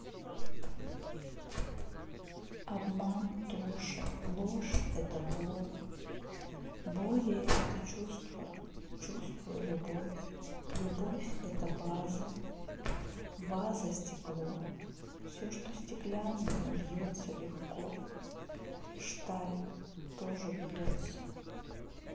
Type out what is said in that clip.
обман тоша ложь это боль более это чувство чувствую любовь любовь этого база ваза стекло все что стеклянное бьется легко шталь тоже бьется